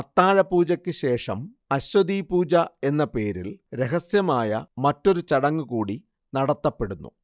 അത്താഴപൂജക്ക് ശേഷം അശ്വതീപൂജ എന്ന പേരിൽ രഹസ്യമായ മറ്റൊരു ചടങ്ങൂകൂടി നടത്തപ്പെടുന്നു